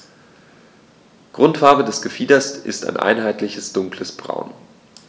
Grundfarbe des Gefieders ist ein einheitliches dunkles Braun.